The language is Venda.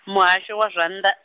muhasho wa zwa nnḓa.